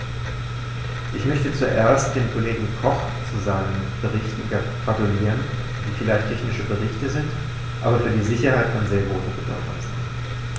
Ich möchte zuerst dem Kollegen Koch zu seinen Berichten gratulieren, die vielleicht technische Berichte sind, aber für die Sicherheit von sehr großer Bedeutung sind.